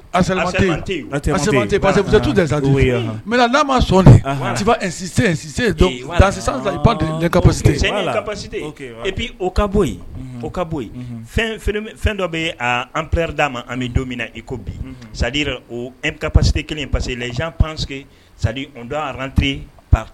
Asa pasa mɛ n'a ma sɔn dɛsesi kasi kasite epi o ka bɔ o ka bɔ fɛn dɔ bɛ anpre d'a ma an bɛ don min na i ko bi sadip ka pasite kelen pa que pansse sato te pate